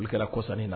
Nin kɛra kɔsannin na